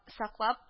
Саклап